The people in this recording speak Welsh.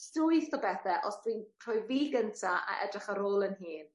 S- llwyth o bethe os dwi'n rhoi fi gynta a edrych ar ôl 'yn hun.